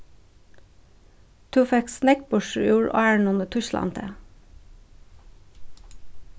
tú fekst nógv burtur úr árinum í týsklandi